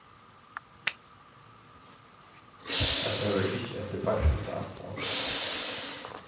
hetta var ikki eftir beintusa ætlan